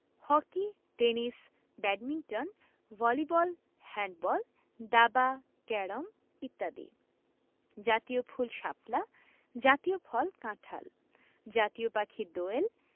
hockey tennis badminton volleyball handball দাবা carrom ইত্যাদি জাতীয় ফুলঃ শাপলা জাতীয় ফলঃ কাঁঠাল জাতীয় পাখিঃ দোয়েল